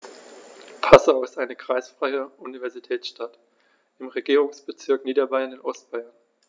Passau ist eine kreisfreie Universitätsstadt im Regierungsbezirk Niederbayern in Ostbayern.